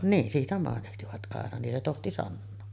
niin siitä mainitsivat aina niin se tohti sanoa